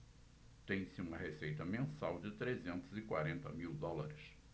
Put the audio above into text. tem-se uma receita mensal de trezentos e quarenta mil dólares